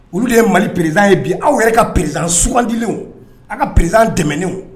O de ye Mali président ye bi aw yɛrɛ ka président sugandilen aw ka président tɛmɛnenw.